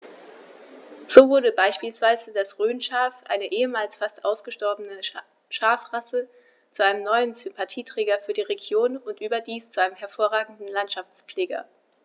So wurde beispielsweise das Rhönschaf, eine ehemals fast ausgestorbene Schafrasse, zu einem neuen Sympathieträger für die Region – und überdies zu einem hervorragenden Landschaftspfleger.